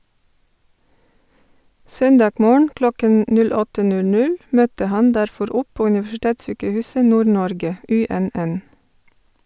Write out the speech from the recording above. Søndag morgen klokken 08:00 møtte han derfor opp på Universitetssykehuset Nord-Norge (UNN).